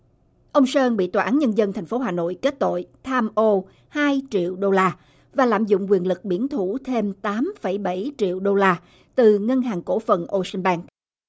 ông sơn bị tòa án nhân dân thành phố hà nội kết tội tham ô hai triệu đô la và lạm dụng quyền lực biển thủ thêm tám phẩy bảy triệu đô la từ ngân hàng cổ phần âu sừn banh